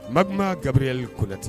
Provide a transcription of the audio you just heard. Makba gabruyariyali kolɛti